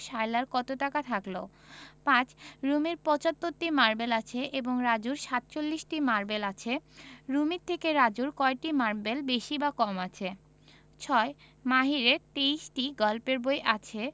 সায়লার কত টাকা থাকল ৫ রুমির ৭৫টি মারবেল আছে এবং রাজুর ৪৭টি মারবেল আছে রুমির থেকে রাজুর কয়টি মারবেল বেশি বা কম আছে ৬ মাহিরের ২৩টি গল্পের বই আছে